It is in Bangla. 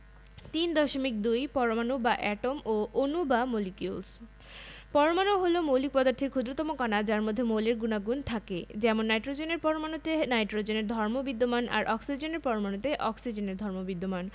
যৌগিক পদার্থ তোমরা জেনেছ যে মৌলিক পদার্থকে ভাঙলে শুধু ঐ পদার্থই পাওয়া যাবে পানিকে যদি ভাঙা হয় অর্থাৎ রাসায়নিকভাবে বিশ্লেষণ করা যায় তবে কিন্তু দুটি ভিন্ন মৌল হাইড্রোজেন ও অক্সিজেন পাওয়া যায়